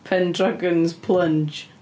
Pendragon's Plunge.